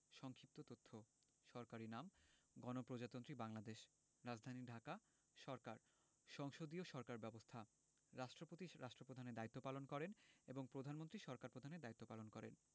সংক্ষিপ্ত তথ্য সরকারি নামঃ গণপ্রজাতন্ত্রী বাংলাদেশ রাজধানীঃ ঢাকা সরকারঃ সংসদীয় সরকার ব্যবস্থা রাষ্ট্রপতি রাষ্ট্রপ্রধানের দায়িত্ব পালন করেন এবং প্রধানমন্ত্রী সরকার প্রধানের দায়িত্ব পালন করেন